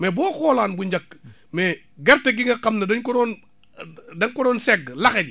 mais boo xoolaan bu njëkk mais gerte gi nga xam ne dañ ko doon dañ ko doon segg laxe gi